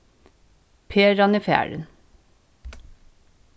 peran er farin